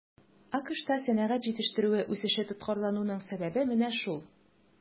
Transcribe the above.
АКШта сәнәгать җитештерүе үсеше тоткарлануның сәбәбе менә шул.